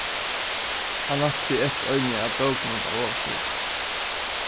hann rætti seg eftir eini av bókunum á ovastu hill